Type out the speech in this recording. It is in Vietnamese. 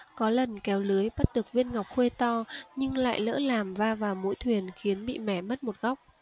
có lần kéo lưới bắt được viên ngọc khuê to nhưng lại lỡ làm va vào mũi thuyền khiến bị mẻ mất một góc